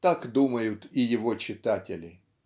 Так думают и его читатели.